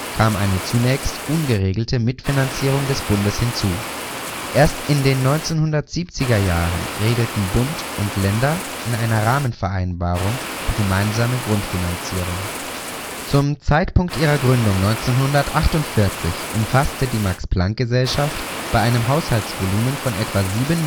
kam eine zunächst ungeregelte Mitfinanzierung des Bundes hinzu. Erst in den 1970er Jahren regelten Bund und Länder in einer Rahmenvereinbarung die gemeinsame Grundfinanzierung. Zum Zeitpunkt ihrer Gründung, 1948, umfasste die Max-Planck-Gesellschaft bei einem Haushaltsvolumen von etwa sieben